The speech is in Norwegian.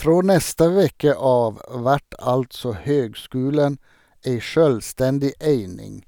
Frå neste veke av vert altså høgskulen ei sjølvstendig eining,